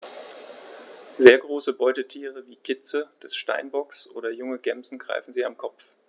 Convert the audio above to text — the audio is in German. Sehr große Beutetiere wie Kitze des Steinbocks oder junge Gämsen greifen sie am Kopf.